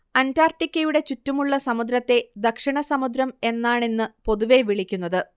അന്റാർട്ടിക്കയുടെ ചുറ്റുമുള്ള സമുദ്രത്തെ ദക്ഷിണസമുദ്രം എന്നാണിന്ന് പൊതുവേ വിളിക്കുന്നത്